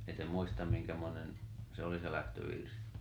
ei te muista minkämoinen se oli se lähtövirsi